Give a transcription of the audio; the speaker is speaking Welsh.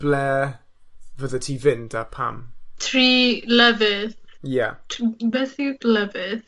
Ble fyddet ti fynd a pam? Tri lefydd? Ie, Tr- m- beth yw lefydd?